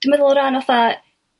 dwi me'l o ran 'atha